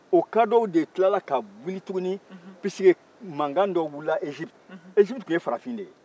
o kadɔw de tilara ka wili tugunni pisike mankan dɔ wilila eziputi eziputi tun ye farafin de ye